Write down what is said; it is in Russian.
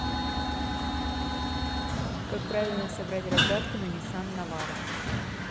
как правильно собрать раздатку на ниссан навара